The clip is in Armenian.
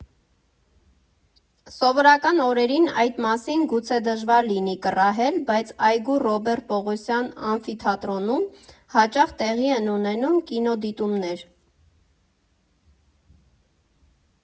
Սովորական օրերին այդ մասին գուցե դժվար լինի կռահել, բայց այգու Ռոբերտ Պողոսյան ամֆիթատրոնում հաճախ տեղի են ունենում կինոդիտումներ.